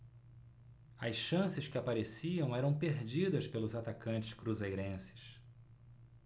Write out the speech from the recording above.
as chances que apareciam eram perdidas pelos atacantes cruzeirenses